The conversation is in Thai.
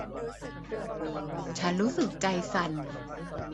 ฉันรู้สึกใจสั่น